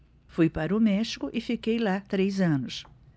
fui para o méxico e fiquei lá três anos